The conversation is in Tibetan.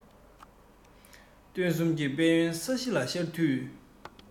སྟོན གསུམ གྱི དཔལ ཡོན ས གཞི ལ ཤར དུས